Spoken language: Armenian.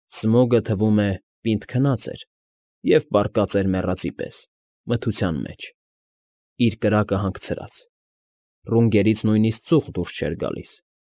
Սմոգը, թվում է, պինդ քնած էր և պառկած էր մեռածի պես՝ մթության մեջ, իր կրակը հանգցրած, ռունգներից նույնիսկ ծուխ դուրս չէր գալիս։